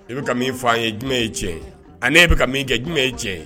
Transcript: I bɛ min fɔ an ye jumɛn ye tioɲɛ ye? ale bɛ ka min kɛ jumɛn ye tiɲɛn ye?